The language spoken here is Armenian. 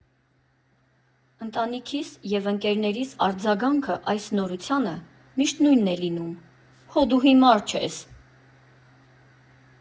Ընտանիքիս և ընկերներիս արձագանքը այս նորությանը միշտ նույնն է լինում՝ հո դու հիմա՞ր չես։